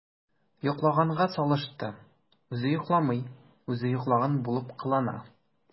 “йоклаганга салышты” – үзе йокламый, үзе йоклаган булып кылана.